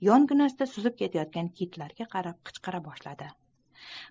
yonginasida suzib ketayotgan kitlarga qarab qichqira boshladi